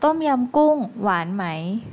ต้มยำกุ้งหวานไหม